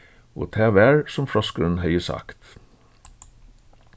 og tað var sum froskurin hevði sagt